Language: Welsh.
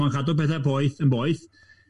Ma'n cadw pethe poeth yn boeth,